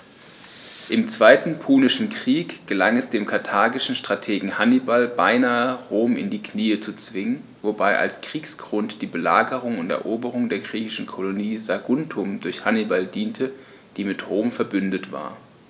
Im Zweiten Punischen Krieg gelang es dem karthagischen Strategen Hannibal beinahe, Rom in die Knie zu zwingen, wobei als Kriegsgrund die Belagerung und Eroberung der griechischen Kolonie Saguntum durch Hannibal diente, die mit Rom „verbündet“ war.